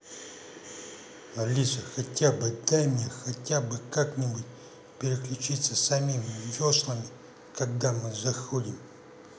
алиса хотя бы дай нам хотя бы как нибудь подключиться самим веслами когда мы заходим